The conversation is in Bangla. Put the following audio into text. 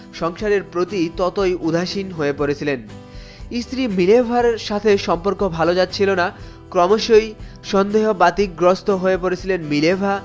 সংসারের প্রতি ততই উদাসীন হয়ে পড়েছিলেন স্ত্রী মিলেভা এর সাথে সম্পর্ক ভালো যাচ্ছিল না ক্রমশই সন্দেহবাতিকগ্রস্থ হয়ে পড়েছিলেন মিলেভা